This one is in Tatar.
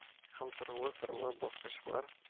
Һәм сырлы-сырлы баскычлар